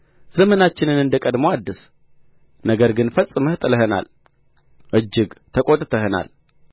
ዘመናችንን እንደ ቀድሞ አድስ ነገር ግን ፈጽመህ ጥለኸናል እጅግ ተቈጥተኸናል